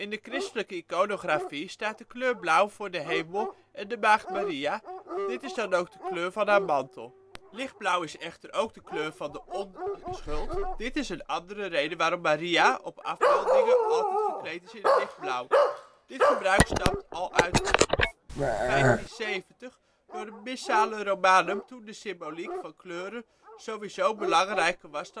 de christelijke iconografie staat de kleur blauw voor de hemel en de maagd Maria, dit is dan ook de kleur van haar mantel. Lichtblauw is echter ook de kleur van de onschuld. Dit is een andere reden waarom Maria, die immers onbevlekt ontvangen was, op afbeeldingen altijd gekleed is het lichtblauw. Dit gebruik stamt al uit de 1570 door het Missale Romanum toen de symboliek van kleuren sowieso belangrijker was